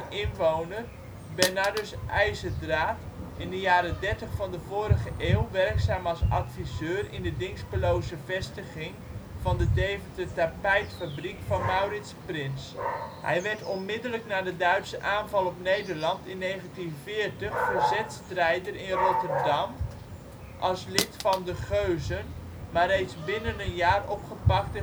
inwoner: Bernardus IJzerdraat, in de jaren ' 30 van de vorige eeuw werkzaam als adviseur in de Dinxperlose vestiging van de Deventer tapijtfabriek van Maurits Prins. Hij werd onmiddellijk na de Duitse aanval op Nederland in 1940 verzetsstrijder in Rotterdam als lid van De Geuzen, maar reeds binnen een jaar opgepakt